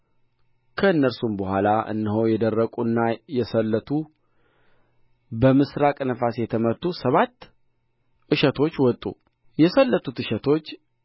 ከእነርሱም በኋላ እነሆ የደረቁና የሰለቱ በምሥራቅ ነፋስ የተመቱ ሰባት እሸቶች ወጡ የሰለቱት እሸቶች